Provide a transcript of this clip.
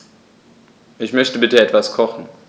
Ich möchte bitte etwas kochen.